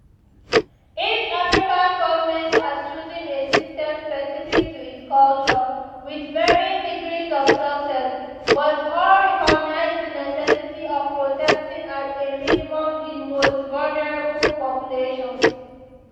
Each African government has chosen a system specific to its culture, with varying degrees of success, but all recognize the necessity of protecting at a minimum the most vulnerable populations.